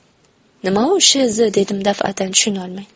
nima u shz dedim dafatan tushunolmay